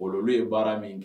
Olu ye baara min kɛ